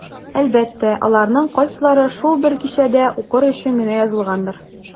Әлбәттә, аларның кайсылары шул бер кичәдә укыр өчен генә язылгандыр.